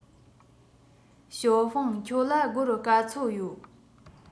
ཞའོ ཧྥང ཁྱོད ལ སྒོར ག ཚོད ཡོད